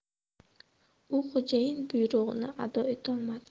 u xo'jayin buyrug'ini ado etolmadi